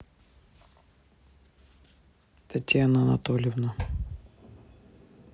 татьяна анатольевна